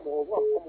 Ɔwɔ